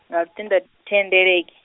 nga lutendo, thendeleki.